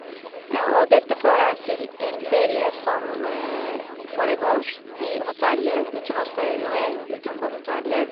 Og dette fører til en ferie som foregår i hotellet, uten å se noe utenfor hotellet.